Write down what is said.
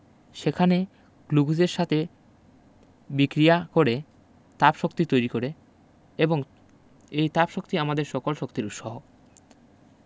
সেখানে গ্লুকোজের সাথে বিক্রিয়া করে তাপশক্তি তৈরি করে এবং এই তাপশক্তি আমাদের সকল শক্তির উৎস